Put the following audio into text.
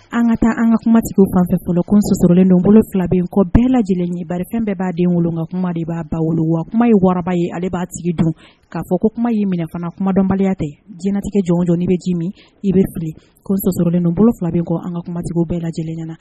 An ka taa an ka kumatigiw kɔfɛ ko sososɔrɔlen filalen kɔ bɛɛ lajɛlen ɲɛ barika bɛɛ b'a den wolo ka kuma de b'a ba wolo wa kuma ye wararaba ye ale b'a sigi dun k'a fɔ ko kuma ye minɛ fana kumadɔnbaliya tɛ jinɛtigɛ jɔnjɔi bɛ ji min i bɛri fili ko sosolen filalen kɔ an ka kumatigiw bɛɛ lajɛlen ɲɛna na